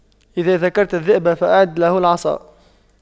إذا ذكرت الذئب فأعد له العصا